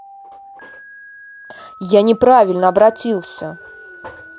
я неправильно обратился